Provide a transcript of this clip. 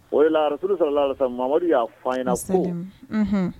O de larauru sara lamadu y'a fayina ko